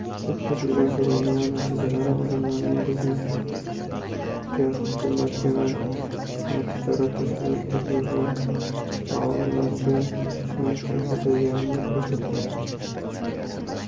o'tkazilgan so'rovnoma natijalari odamlarning biznesga hukumatga va notijorat tashkilotlarga va oavlarga ishonchi pasayganini ko'rsatgan